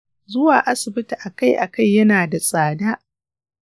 zuwa asibiti akai-akai yana da tsada.